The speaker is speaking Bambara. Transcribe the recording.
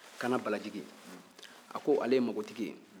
kana balajigi a ko ale ye mako tigi ye